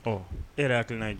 Ɔ e yɛrɛ'a tɛ n'a ye